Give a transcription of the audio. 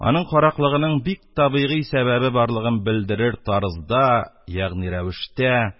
Аның караклыгының бик табигый сәбәбе барлыгыны белдерер тарызда ягъни рәвештә